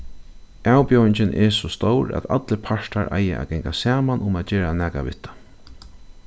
avbjóðingin er so stór at allir partar eiga at ganga saman um at gera nakað við tað